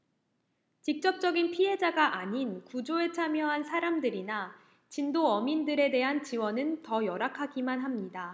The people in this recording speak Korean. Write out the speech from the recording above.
직접적인 피해자가 아닌 구조에 참여한 사람들이나 진도어민들에 대한 지원은 더 열악하기만 합니다